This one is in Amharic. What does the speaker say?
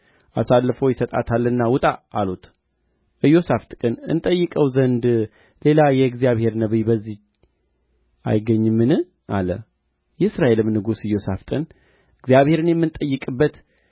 አሳልፎ ይሰጣታልና ውጣ አሉት ኢዮሣፍጥ ግን እንጠይቀው ዘንድ ሌላ የእግዚአብሔር ነቢይ በዚህ አይገኝምን አለ የእስራኤልም ንጉሥ ኢዮሣፍጥን እግዚአብሔርን የምንጠይቅበት